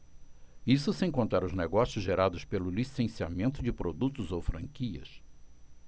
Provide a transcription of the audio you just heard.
isso sem contar os negócios gerados pelo licenciamento de produtos ou franquias